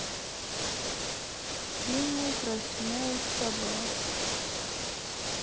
фильмы про смелых собак